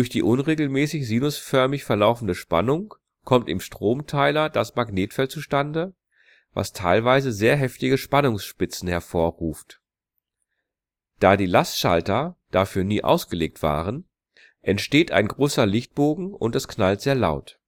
die unregelmäßig sinusförmig verlaufende Spannung kommt im Stromteiler das Magnetfeld zustande, was teilweise sehr heftige Spannungsspitzen hervorruft. Da die Lastschalter dafür nie ausgelegt waren, entsteht ein großer Lichtbogen und es knallt sehr laut